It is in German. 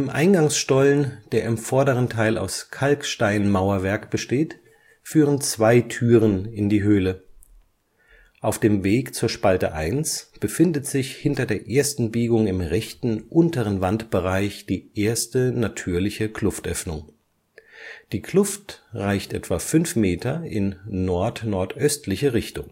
Eingangsstollen, der im vorderen Teil aus Kalksteinmauerwerk besteht, führen zwei Türen in die Höhle. Auf dem Weg zur Spalte 1 befindet sich hinter der ersten Biegung im rechten unteren Wandbereich die erste natürliche Kluftöffnung. Die Kluft reicht etwa fünf Meter in nordnordöstliche Richtung